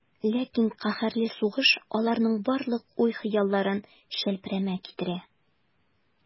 Ләкин каһәрле сугыш аларның барлык уй-хыялларын челпәрәмә китерә.